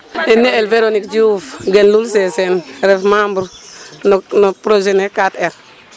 Mi' ne'e Veronique Diouf gen Lul Seseen ref Membre no no projet ne 4 R